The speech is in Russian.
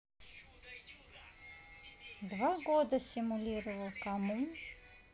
два года симулировал кому